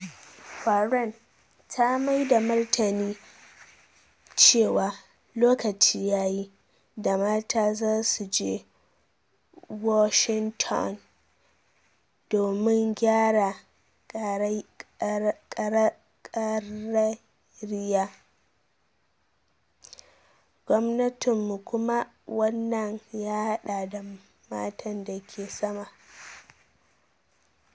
Warren ta mai da martani cewa lokaci yayi “da mata za su je Washington domin gyara karrariya gwamnatinmu kuma wannan ya hada da matan dake sama,"